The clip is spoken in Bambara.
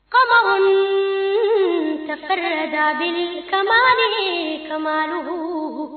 Kamalensonin tɛ da kain kadugu